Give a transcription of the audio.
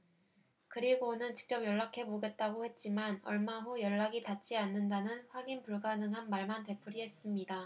그리고는 직접 연락해보겠다고 했지만 얼마 후 연락이 닿지 않는다는 확인 불가능한 말만 되풀이했습니다